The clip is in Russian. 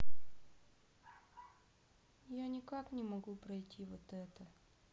я никак не могу пройти вот это